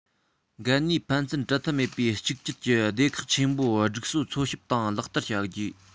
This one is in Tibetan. འགན ནུས ཕན ཚུན བྲལ ཐབས མེད པའི གཅིག གྱུར གྱི སྡེ ཁག ཆེན པོའི སྒྲིག སྲོལ འཚོལ ཞིབ དང ལག བསྟར བྱ དགོས